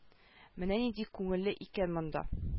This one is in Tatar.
Менә нинди күңелле икән монда